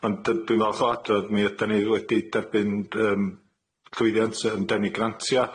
Ond yy dwi'n falch o adrodd, mi ydan ni wedi derbyn yym llwyddiant yn denu grantia'.